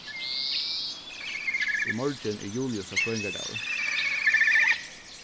í morgin er juliusa føðingardagur